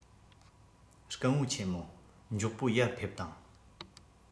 སྐུ ངོ ཆེན མོ མགྱོགས པོ ཡར ཕེབས དང